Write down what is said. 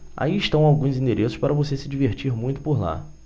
aí estão alguns endereços para você se divertir muito por lá